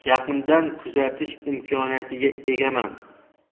ham yaqindan kuzatish imkoniyatiga egaman